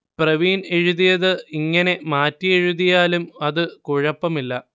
പ്രവീൺ എഴുതിയത് ഇങ്ങനെ മാറ്റി എഴുതിയാലും അത് കുഴപ്പമില്ല